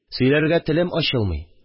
Сөйләргә телем ачылмый